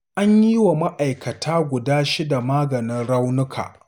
An yiwa ma'aikata guda shida maganin raunuka.